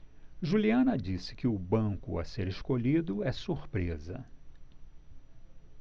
juliana disse que o banco a ser escolhido é surpresa